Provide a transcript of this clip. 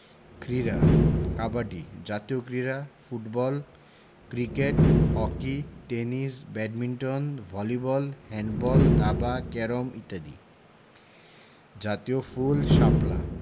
ক্রীড়াঃ কাবাডি জাতীয় ক্রীড়া football cricket hockey tennis badminton volleyball handball দাবা ক্যারম ইত্যাদি জাতীয় ফুল শাপলা